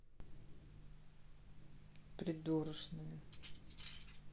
придурочная